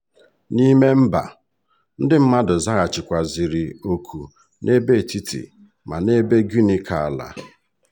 N'ime mba, ndị mmadụ zaghachikwazịrị òkù n'ebe Etiti ma n'ebe Guinea Ka Ala.